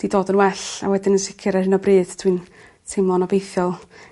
'di dod yn well a wedyn yn sicir ar 'yn o bryd dwi'n teimlo'n obeithiol